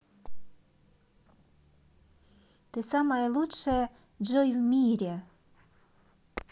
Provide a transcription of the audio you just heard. ты самая самая лучшая джой в мире